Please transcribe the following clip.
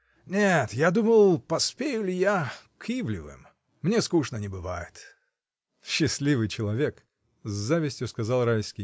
— Нет, я думал, поспею ли я к Ивлевым? Мне скучно не бывает. — Счастливый человек! — с завистью сказал Райский.